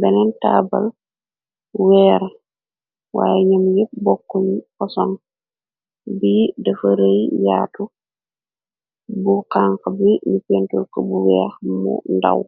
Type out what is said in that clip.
beneen taabal weer waaye ñoom yepp bokku xosoŋ bi defarëy yaatu bu xank bi ni pentul ko bu weex mu ndaw